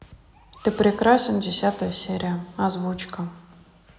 ты прекрасен десятая серия озвучка